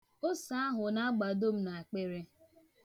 Ose ahụ na-agbado m n'akpịrị.